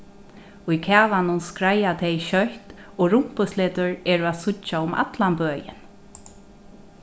í kavanum skreiða tey skjótt og rumpusletur eru at síggja um allan bøin